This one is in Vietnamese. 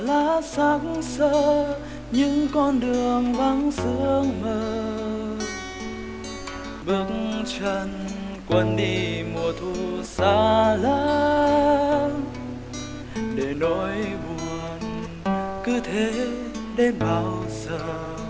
lá xác xơ những con đường vắng sương mờ vắng chân cuốn đi mùa thu xa lắm để nỗi buồn cứ thế đến bao giờ